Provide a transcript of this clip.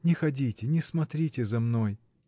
Не ходите, не смотрите за мной.